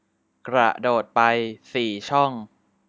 กระโดดไปสี่ช่อง